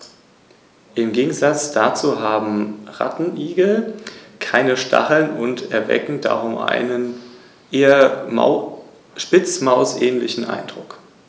Nach mehreren Rückschlägen und wechselhaftem Kriegsglück gelang es Rom schließlich, besonders auf Sizilien Fuß zu fassen und die karthagische Flotte mehrmals zu schlagen.